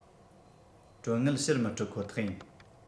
གྲོན དངུལ ཕྱིར མི སྤྲོད ཁོ ཐག ཡིན